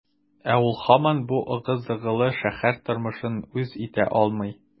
Ә ул һаман бу ыгы-зыгылы шәһәр тормышын үз итә алмый.